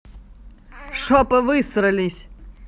shoppe высрались